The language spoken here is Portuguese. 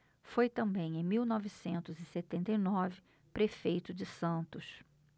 foi também em mil novecentos e setenta e nove prefeito de santos